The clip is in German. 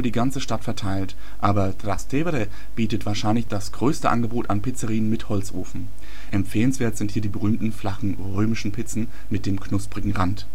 ganze Stadt verteilt, aber Trastevere bietet wahrscheinlich das größte Angebot an Pizzerien mit Holzofen. Empfehlenswert sind hier die berühmten flachen römischen Pizzen mit dem knusprigen Rand